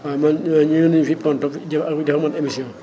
ah man ñëwoon naénu fi Pointe jël def ak man émission